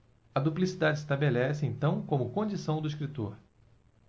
a duplicidade se estabelece então como condição do escritor